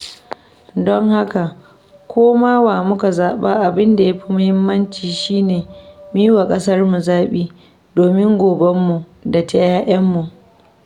Don haka, ko ma wa muka zaɓa, abin da ya fi muhimmanci shi ne mu yi wa ƙasarmu zaɓi, domin gobenmu da ta 'ya'yanmu.